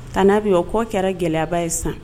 Kana n'a bɛ o kɔ kɛra gɛlɛyaba ye san